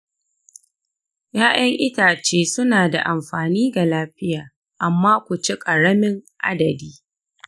ƴaƴan itace suna da amfani ga lafiya amma ku ci ƙaramin adadi.